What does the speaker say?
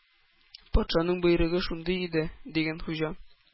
— патшаның боерыгы шундый иде,— дигән хуҗа.